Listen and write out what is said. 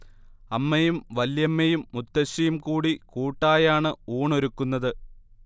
അമ്മയും വല്യമ്മയും മുത്തശ്ശിയും കൂടി കൂട്ടായാണ് ഊണൊരുക്കുന്നത്